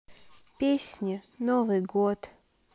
песни новый год